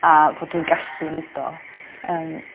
a fel dwi'n gallu neud o yym